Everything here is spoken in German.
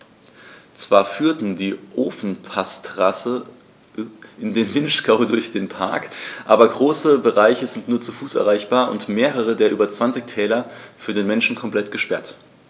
Zwar führt die Ofenpassstraße in den Vinschgau durch den Park, aber große Bereiche sind nur zu Fuß erreichbar und mehrere der über 20 Täler für den Menschen komplett gesperrt.